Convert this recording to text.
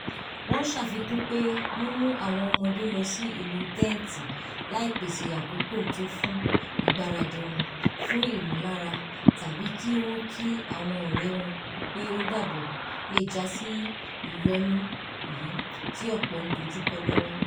Wọn ṣafikun pe mimu awọn ọmọde lọsi ilu tẹnti laipese akoko to fun igbaradi wọn fun imọlara tabi ki wọn ki awọn ọrẹ wọn pe o dabọ le jasi iyọnueyi ti ọpọ n dojukọ lọwọ.